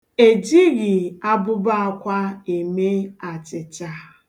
E jighị abụbọ akwa eme achịcha.